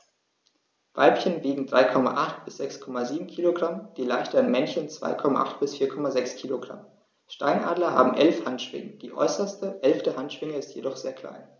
Weibchen wiegen 3,8 bis 6,7 kg, die leichteren Männchen 2,8 bis 4,6 kg. Steinadler haben 11 Handschwingen, die äußerste (11.) Handschwinge ist jedoch sehr klein.